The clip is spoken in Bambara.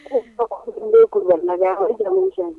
Faama furu kunmisɛn